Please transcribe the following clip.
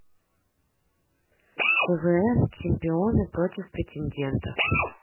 квн чемпионы против претендентов